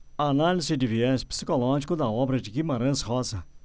análise de viés psicológico da obra de guimarães rosa